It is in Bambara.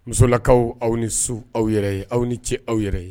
Musolakaw aw ni su aw yɛrɛ ye aw ni ce aw yɛrɛ ye